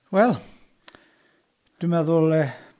Wel dwi'n meddwl yy...